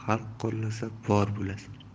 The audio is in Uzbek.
xalq qo'llasa bor bo'lasan